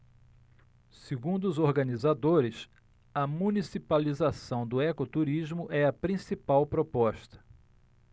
segundo os organizadores a municipalização do ecoturismo é a principal proposta